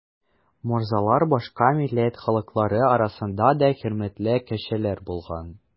Морзалар башка милләт халыклары арасында да хөрмәтле кешеләр булган.